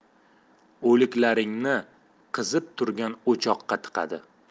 o'liklaringni qizib turgan o'choqqa tiqadi